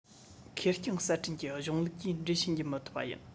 ཁེར རྐྱང གསར སྐྲུན གྱི གཞུང ལུགས ཀྱིས འགྲེལ བཤད བགྱི མི ཐུབ པ ཡིན